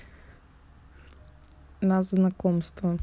nas знакомство